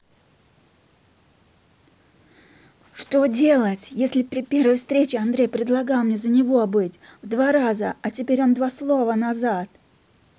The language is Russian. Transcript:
что делать если при первой встрече андрей предлагал мне за него быть в два раза а теперь он два слова назад